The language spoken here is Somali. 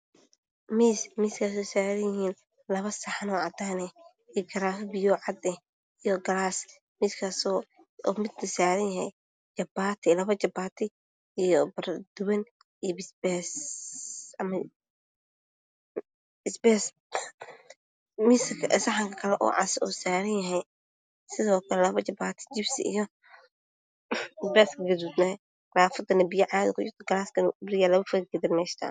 Miis miskaso saranyihiin Labosaxan ocadaneh iyo garafobiyocad ah iyo galaas miskaso midna saranyahay jabati Labojabati iyo bardhoduban iyo bisbas saxanka kalocas sidokale Labojabaatiiyo jibsi iyo bisbaskagaduudnaan garafadanabiyocadi kujirta galaska dhulkayaalo labada gesfarista